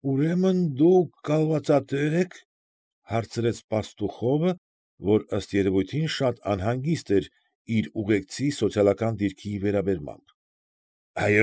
Ուրեմն դուք կալվածատե՞ր եք,֊ հարցրեց Պաստուխովը, որ, ըստ երևույթին, շատ անհանգիստ էր իր ուղեկցի սոցիալական դիրքի վերաբերմամբ։ ֊